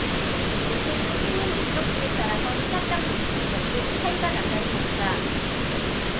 문제는 손님 목적지에 따라서 시간당 매출이 몇 배로 차이가 난다는 것이다